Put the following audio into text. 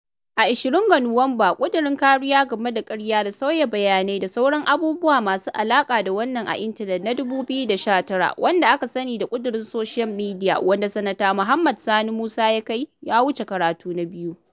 A 20 ga Nuwamba, kudirin kariya game da ƙarya da sauya bayanai da sauran abubuwa masu a alaƙa da wannan a intanet na 2019, wanda aka sani da "kudirin soshiya mediya" wanda sanata Mohammed Sani Musa ya kai, ya wuce karatu na biyu.